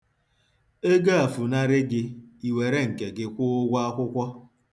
Ego a funarị gị, i were nke gị kwụọ ụgwọ akwụkwọ.